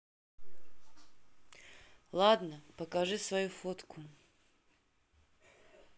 ладно покажи свою фотку